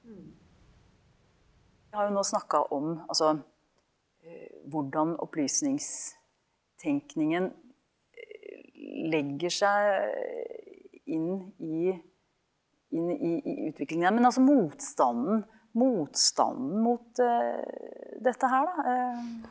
vi har jo nå snakka om altså hvordan opplysningstenkningen legger seg inn i inn i i utviklingen, men altså motstanden motstanden mot dette her da ?